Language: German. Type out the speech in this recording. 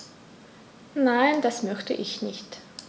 Nein, das möchte ich nicht.